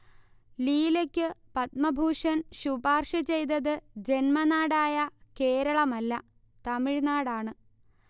ലീലയ്ക്കു പദ്മഭൂഷൺ ശുപാർശചെയ്തത് ജന്മനാടായ കേരളമല്ല, തമിഴ്നാടാണ്